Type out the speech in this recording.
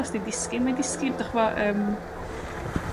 Os 'di'n disgyn mae'n disgyn dych ch'mo yrm.